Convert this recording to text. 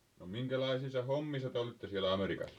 no minkälaisissa hommissa te olitte siellä Amerikassa